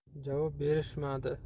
javob berishmadi